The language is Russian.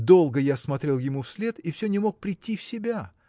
Долго я смотрел ему вслед и все не мог прийти в себя.